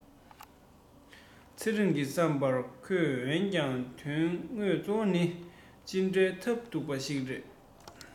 ཚེ རིང གི བསམ པར ཁོས འོན ཀྱང དོན དངོས འཚོ བ ནི ཇི འདྲའི ཐབས སྡུག པ ཞིག རེད